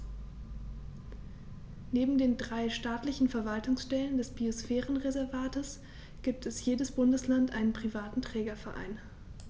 Neben den drei staatlichen Verwaltungsstellen des Biosphärenreservates gibt es für jedes Bundesland einen privaten Trägerverein.